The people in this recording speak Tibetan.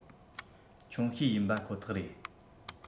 ཆུང ཤོས ཡིན པ ཁོ ཐག རེད